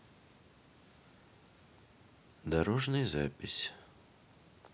дорожный запись